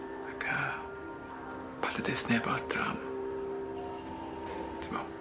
Ocê. paill â deuth neb adra am t'mo.